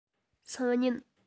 སང ཉིན